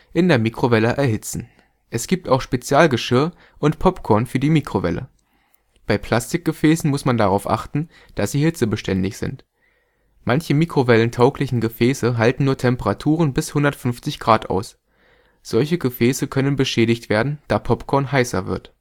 in der Mikrowelle erhitzen. Es gibt auch Spezialgeschirr und Popcorn für die Mikrowelle. Bei Plastikgefäßen muss man darauf achten, dass sie hitzebeständig sind. Manche mikrowellentauglichen Gefäße halten nur Temperaturen bis 150 °C aus. Solche Gefäße können beschädigt werden, da Popcorn heißer wird